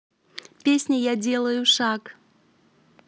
песня я делаю шаг